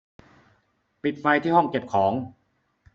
ปิดไฟที่ห้องเก็บของ